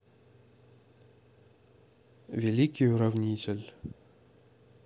великий уравнитель